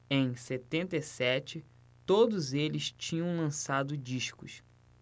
em setenta e sete todos eles tinham lançado discos